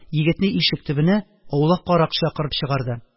Егетне ишек төбенә – аулаккарак чакырып чыгарды.